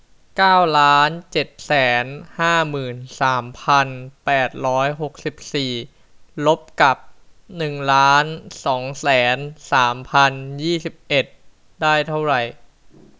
เก้าล้านเจ็ดแสนห้าหมื่นสามพันแปดร้อยหกสิบสี่ลบกับหนึ่งล้านสองแสนสามพันยี่สิบเอ็ดได้เท่าไร